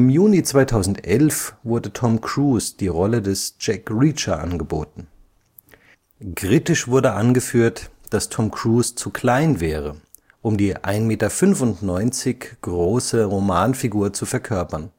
Juni 2011 wurde Tom Cruise die Rolle des Jack Reacher angeboten. Kritisch wurde angeführt, dass Tom Cruise zu klein wäre, um die 1,95 m große Romanfigur zu verkörpern